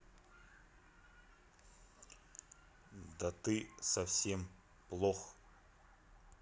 да ты совсем плох